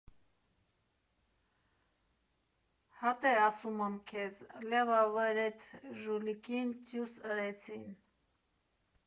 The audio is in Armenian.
Հատե ասումըմ քեզ, լյավա վեր էտ ժուլիկին տյուս ըրեցեն։